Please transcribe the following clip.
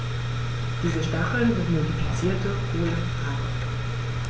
Diese Stacheln sind modifizierte, hohle Haare.